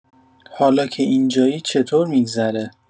حالا که اینجایی چطور می‌گذره؟